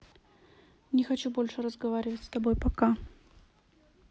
не хочу больше разговаривать с тобой пока